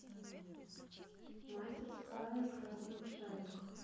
мастерская красного шарика